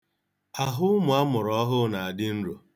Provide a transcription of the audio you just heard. Ahụ ụmụ a mụrụ ọhụrụ na-adị nro.